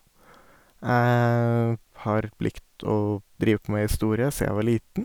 Jeg har likt å drive på med historie sia jeg var liten.